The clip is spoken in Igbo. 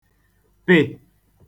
pị̀